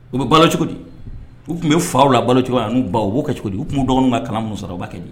U bɛ balo cogo di u tun bɛ faw la balocogo yan' u baw o' kɛ cogo di u tun dɔgɔnin ka kalan muso sɔrɔba kɛ